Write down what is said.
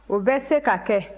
o bɛ se ka kɛ